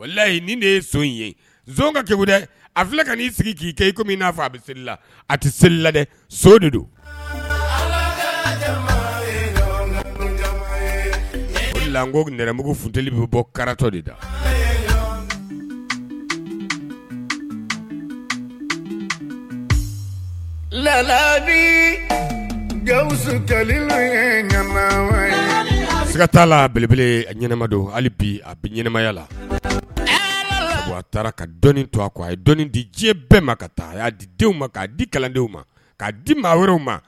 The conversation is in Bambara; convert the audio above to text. Layi ni de ye son in ye ka kɛwu dɛ a filɛ ka n'i sigi k'i kɛ i komi n'a fɔ a bɛ seli la a tɛ seli la so de don la ko nt muguugutu bɛ bɔ karatatɔ de da a se t belebelema hali bi a bɛmaya la a taara ka dɔn to a a ye dɔnni di diɲɛ bɛɛ ma ka taa'a di denw ma k'a di kalan di ma k'a di maa wɛrɛw ma